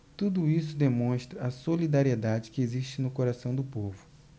tudo isso demonstra a solidariedade que existe no coração do povo